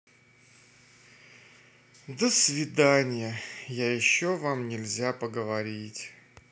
до свидания я еще вам нельзя поговорить